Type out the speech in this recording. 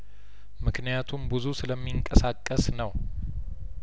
ምክንያቱም ቡዙ ስለሚንቀሳቀስ ነው